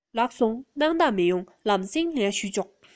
ལགས སོ སྣང དག མི ཡོང ལམ སེང ལན ཞུས ཆོག